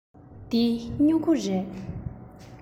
འདི སྨྱུ གུ རེད